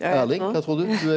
.